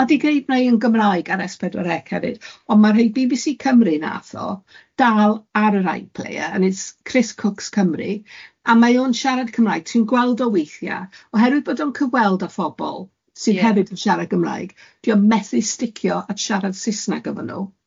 Ma' di gneud na un Gymraeg ar ess pedwar ec hefyd, ond ma' rhei Bee Bee See Cymru wnaeth o, dal ar yr I player, and it's Chris Cooks Cymru, a mae o'n siarad Cymraeg. Ti'n gweld o weithiau, oherwydd bod o'n cyweld â phobl... Ie. ...sydd hefyd yn siarad Cymraeg, dio methu sticio at siarad Saesneg efo nhw.